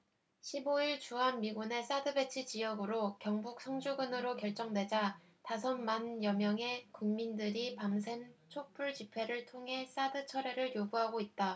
십 오 일 주한미군의 사드 배치 지역으로 경북 성주군으로 결정되자 다섯 만여명의 군민들이 밤샘 촛불 집회를 통해 사드 철회를 요구하고 있다